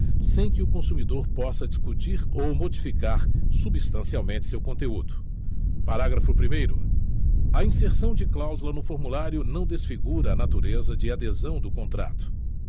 sem que o consumidor possa discutir ou modificar substancialmente seu conteúdo parágrafo primeiro a inserção de cláusula no formulário não desfigura a natureza de adesão do contrato